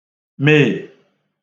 Meè